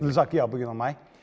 du sa ikke ja pga. meg?